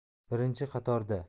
birinchi qatorda